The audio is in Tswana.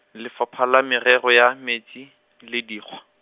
Lefapha la Merero ya Metsi, le Dikgwa.